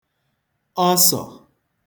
ọsọ̀